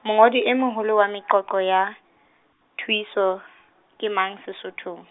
mongodi e moholo wa meqoqo ya, thuiso, ke mang Sesothong?